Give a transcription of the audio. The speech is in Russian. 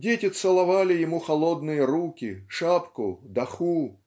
Дети целовали ему холодные руки шапку доху